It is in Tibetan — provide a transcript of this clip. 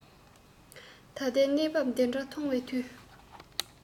ད ལྟའི གནས བབས འདི འདྲ མཐོང བའི དུས